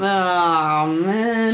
Aw man.